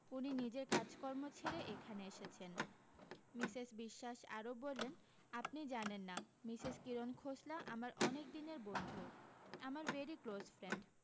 উনি নিজের কাজকর্ম ছেড়ে এখানে এসেছেন মিসেস বিশ্বাস আরও বললেন আপনি জানেন না মিসেস কিরণ খোসলা আমার অনেক দিনের বন্ধু আমার ভেরি ক্লোজ ফ্রেন্ড